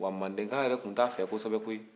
wa mandenkaw yɛrɛ tun t'a fɛ kosebɛ koyi